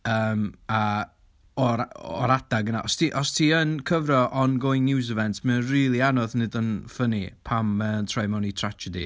Yym, a o'r o'r adeg yna. Os ti os ti yn cyfro on-going news events, mae o'n rili anodd wneud o'n ffyni pam mae o'n troi i mewn i tragedy.